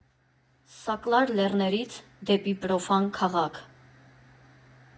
ՍԱԿՐԱԼ ԼԵՌՆԵՐԻՑ ԴԵՊԻ ՊՐՈՖԱՆ ՔԱՂԱՔ.